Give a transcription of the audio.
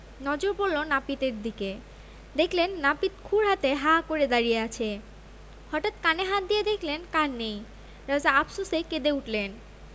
নজর পড়ল নাপিতের দিকে দেখলেন নাপিত ক্ষুর হাতে হাঁ করে দাড়িয়ে আছে হঠাৎ কানে হাত দিয়ে দেখলেন কান নেই রাজা আপসোসে কেঁদে উঠলেন